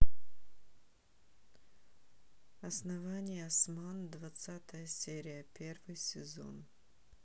основание осман двадцатая серия первый сезон